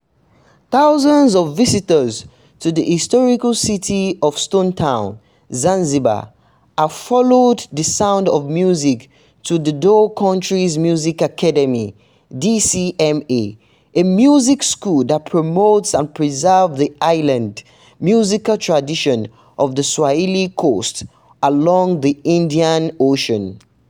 Thousands of visitors to the historic city of Stone Town, Zanzibar, have followed the sound of music to the Dhow Countries Music Academy (DCMA), a music school that promotes and preserves the islands’ musical traditions of the Swahili Coast along the Indian Ocean.